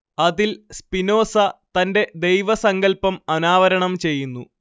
അതിൽ സ്പിനോസ തന്റെ ദൈവസങ്കല്പം അനാവരണം ചെയ്യുന്നു